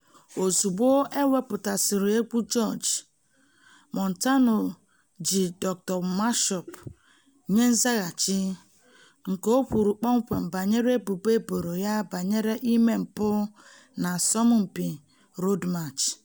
Ozugbo e wepụtasịrị egwu George, Montano ji "Dr. Mashup" nye nzaghachi , nke o kwuru kpọmkwem banyere ebubo e boro ya banyere ime mpụ n'asọmpị Road March.